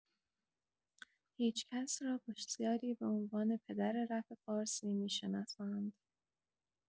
هیچکس را بسیاری به عنوان پدر رپ فارسی می‌شناسند.